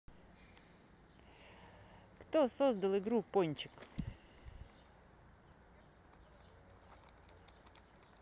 кто создал игру пончик